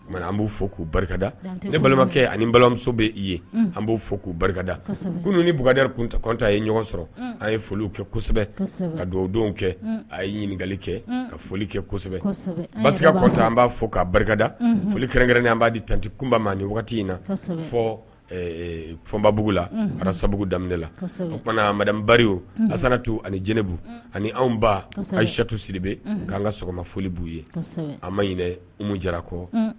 Umana an b'u fɔ k'u barikada ne balimakɛ ani balimamuso bɛ i ye an b'o fɔ k'u barikada ko ni bda kuntatan ye ɲɔgɔn sɔrɔ an ye foli kɛsɛbɛ ka dugawudenw kɛ a ye ɲinikali kɛ ka foli kɛ baka an b'a fɔ ka barikada foli kɛrɛn an b'a ditɛ kunba ma ni waati wagati in na fɔ fmbabugu la ara sababu daminɛla o tumaumana na barika asatu ani jɛnɛbu ani anw ba an satu siribe k'an ka sɔgɔma foli b' uu ye an ma ɲiniinɛmu jara kɔ